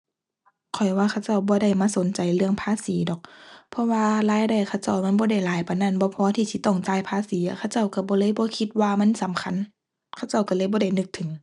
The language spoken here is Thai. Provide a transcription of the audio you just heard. ข้อยว่าเขาเจ้าบ่ได้มาสนใจเรื่องภาษีดอก เพราะว่ารายได้เขาเจ้ามันบ่ได้หลายปานนั้น บ่พอที่สิต้องจ่ายภาษีอะ เขาเจ้าก็บ่เลยบ่คิดว่ามันสำคัญ เขาเจ้าก็เลยบ่ได้นึกถึง